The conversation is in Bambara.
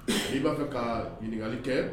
I b'a fɛ ka ɲininkali kɛ